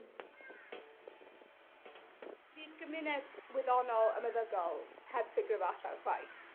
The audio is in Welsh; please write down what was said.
'Di'r gymuned wyddonol a meddygol heb ffigro fo allan chwaith.